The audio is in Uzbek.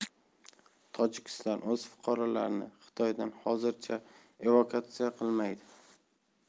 tojikiston o'z fuqarolarini xitoydan hozircha evakuatsiya qilmaydi